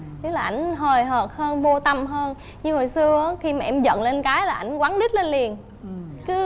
thế là ảnh hời hợt hơn vô tâm hơn nhưng hồi xưa ớ khi mà em giận lên cái là ảnh quắn đít lên liền cứ